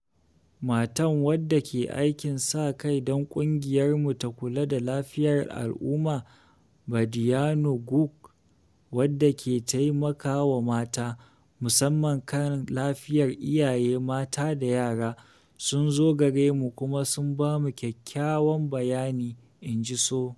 Matan wadda ke aikin sa-kai don ƙungiyarmu ta kula da lafiyar al’umma [“Badianou Guokh”] wadda ke taimaka wa mata, musamman kan lafiyar iyaye mata da yara… sun zo gare mu kuma sun bamu kyakyawan bayani. In ji Sow.